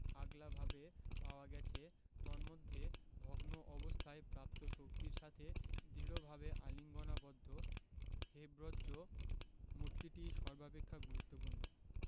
আগলাভাবে পাওয়া গেছে তম্মধ্যে ভগ্ন অবস্থায় প্রাপ্ত শক্তির সাথে দৃঢ়ভাবে আলিঙ্গনাবদ্ধ হেবজ্র মূর্তিটি সর্বাপেক্ষা গুরুত্বপূর্ণ